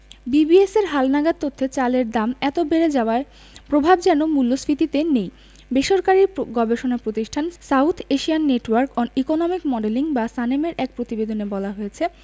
বিবিএসের হালনাগাদ তথ্যে চালের দাম এত বেড়ে যাওয়ার প্রভাব যেন মূল্যস্ফীতিতে নেই বেসরকারি গবেষণা প্রতিষ্ঠান South Asian Network on Economic modelling বা সানেমের এক প্রতিবেদনে বলা হয়েছে